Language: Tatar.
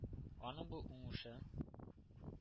Аның бу уңышын